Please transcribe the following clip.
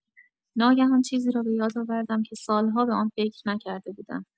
ناگهان چیزی را بۀاد آوردم که سال‌ها به آن فکر نکرده بودم.